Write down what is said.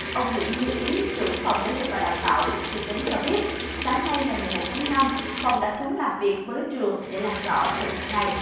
ông nguyễn như ý trưởng phòng giáo dục và đào tạo huyện thường tín cho biết sáng nay ngày mười một tháng năm phòng đã xuống làm việc với trường để làm rõ sự việc này